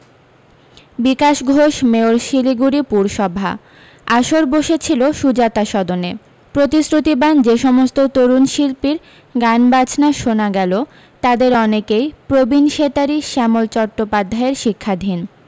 বিকাশ Ghosh mayor Siliguri পুরসভা আসর বসেছিল সুজাতা সদনে প্রতিশ্রুতিবান যে সমস্ত তরুণ শিল্পীর গানবাজনা শোনা গেল তাদের অনেকই প্রবীণ সেতারি শ্যামল চট্টোপাধ্যায়ের শিক্ষাধীন